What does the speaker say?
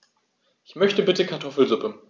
Ich möchte bitte Kartoffelsuppe.